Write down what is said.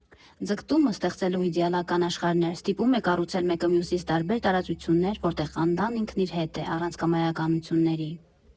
Ձգտումը՝ ստեղծելու իդեալական աշխարհներ, ստիպում է կառուցել մեկը մյուսից տարբեր տարածություններ, որտեղ Անդան ինքն իր հետ է՝ առանց կամայականությունների։